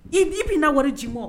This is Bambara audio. I b bɛ na wari ji ma